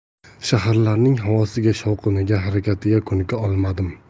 shaharlarning havosiga shovqiniga harakatiga ko'nika olmadim